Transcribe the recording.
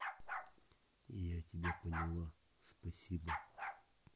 я тебя поняла спасибо